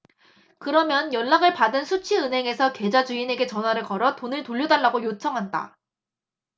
그러면 연락을 받은 수취 은행에서 계좌 주인에게 전화를 걸어 돈을 돌려 달라고 요청한다